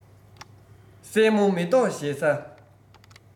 སྲས མོ མེ ཏོག བཞད ས